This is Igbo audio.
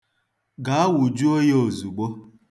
Gaa, wụjuo ya ozugbo.